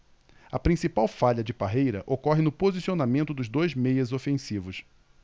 a principal falha de parreira ocorre no posicionamento dos dois meias ofensivos